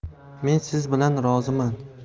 men siz bilan roziman